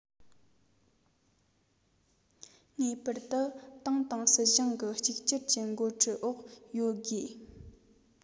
ངེས པར དུ ཏང དང སྲིད གཞུང གི གཅིག གྱུར གྱི འགོ ཁྲིད འོག ཡོད དགོས